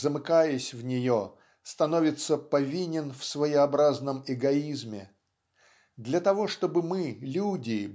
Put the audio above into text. замыкаясь в нее становится повинен в своеобразном эгоизме. Для того чтобы мы люди